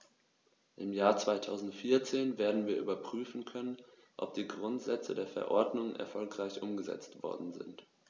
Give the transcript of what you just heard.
Im Jahr 2014 werden wir überprüfen können, ob die Grundsätze der Verordnung erfolgreich umgesetzt worden sind.